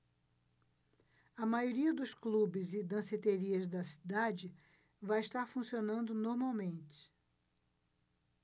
a maioria dos clubes e danceterias da cidade vai estar funcionando normalmente